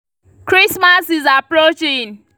Christmas is approaching.